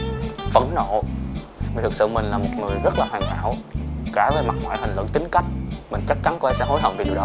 phẫn nộ thực sự là một người rất là hoàn hảo cả về mặt ngoại hình lẫn tính cách mình chắc chắn cô ấy sẽ hối hận về điều đó